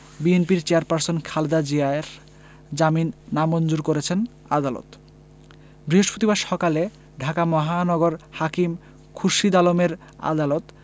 বিএনপির চেয়ারপারসন খালেদা জিয়ার জামিন নামঞ্জুর করেছেন আদালত বৃহস্পতিবার সকালে ঢাকা মহানগর হাকিম খুরশীদ আলমের আদালত